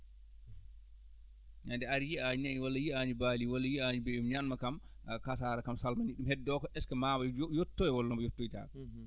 ñannde ari yiyaani nayi walla yiyaani baali walla yiyaani beyi mum ñaando kam a kasaara kam salminii ɗum heddoo ko est ce que maa yottoyoo walla mbo yottoytaako